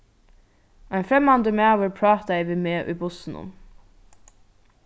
ein fremmandur maður prátaði við meg í bussinum